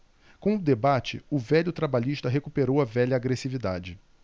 com o debate o velho trabalhista recuperou a velha agressividade